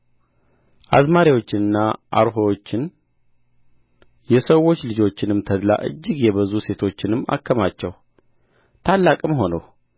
አዝማሪዎችንና አርሆዎችን የሰዎች ልጆችንም ተድላ እጅግ የበዙ ሴቶችንም አከማቸሁ ታላቅም ሆንሁ